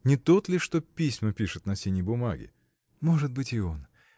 Не тот ли, что письма пишет на синей бумаге?. — Может быть — и он.